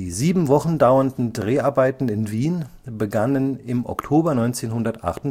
sieben Wochen dauernden Dreharbeiten in Wien begannen im Oktober 1948